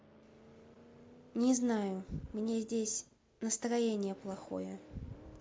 не знаю мне здесь настроение плохое